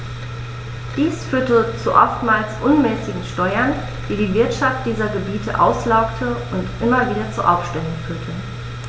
Dies führte zu oftmals unmäßigen Steuern, die die Wirtschaft dieser Gebiete auslaugte und immer wieder zu Aufständen führte.